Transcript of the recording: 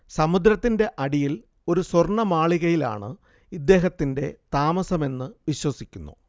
സമുദ്രത്തിന്റെ അടിയിൽ ഒരു സ്വർണ്ണമാളികയിലാണ് ഇദ്ദേഹത്തിന്റെ താമസമെന്ന് വിശ്വസിക്കുന്നു